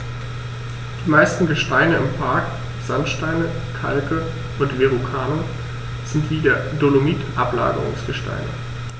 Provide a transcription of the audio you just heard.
Die meisten Gesteine im Park – Sandsteine, Kalke und Verrucano – sind wie der Dolomit Ablagerungsgesteine.